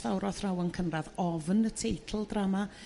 fawr o athrawon cynradd ofn y teitl drama